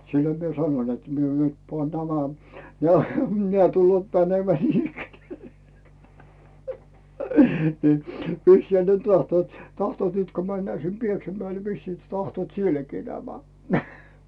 silloin minä sanoin että minä nyt panen nämä nämä nämä tulevat menemään niinikään niin vissiinhän ne tahtovat tahtovat nyt kun mennään sinne Pieksämäelle vissiin tahtovat sielläkin nämä